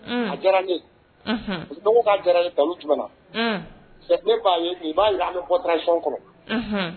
A diyara n ye dɔgɔ ka diyara ye dalu tɛm na b'a ye b'a an bɔtasi kɔnɔ